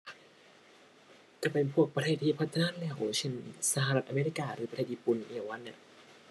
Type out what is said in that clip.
ก็เป็นพวกประเทศที่พัฒนาแล้ว เช่น สหรัฐอเมริกาหรือประเทศญี่ปุ่น อิหยังประมาณเนี้ย